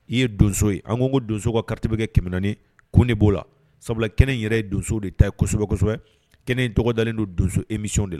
I ye donso ye an ko n ko donso ka karikɛ kɛmɛmen ko de b'o la sabula kɛnɛ yɛrɛ ye donso de ta kosɛbɛ kosɛbɛ kɛnɛ dɔgɔdalen don donso emiw de la